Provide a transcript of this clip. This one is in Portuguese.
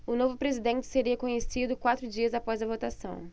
o novo presidente seria conhecido quatro dias após a votação